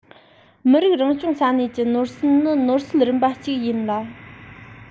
མི རིགས རང སྐྱོང ས གནས ཀྱི ནོར སྲིད ནི ནོར སྲིད རིམ པ གཅིག ཡིན ལ